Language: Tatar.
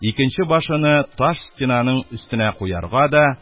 Икенче башыны таш стенаның өстенә куярга да,